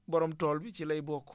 borom tool bi ci lay bokk